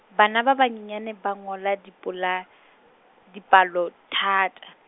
bana ba banyenyane ba ngola dipola-, dipalo thata.